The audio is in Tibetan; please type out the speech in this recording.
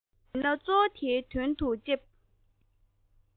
དེ ཡང མི སྣ གཙོ བོ དེའི དོན དུ ལྕེབས